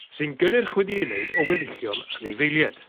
sy'n gynnyrch wedi ei wneud o weddillion aneifeilied